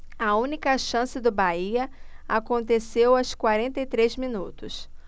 a única chance do bahia aconteceu aos quarenta e três minutos